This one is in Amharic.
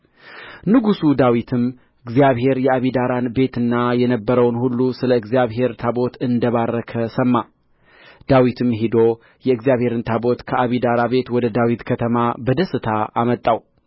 ንጉሡ ዳዊትም እግዚአብሔር የአቢዳራን ቤትና የነበረውን ሁሉ ስለ እግዚአብሔር ታቦት እንደ ባረከ ሰማ ዳዊትም ሄዶ የእግዚአብሔርን ታቦት ከአቢዳራ ቤት ወደ ዳዊት ከተማ በደስታ አመጣው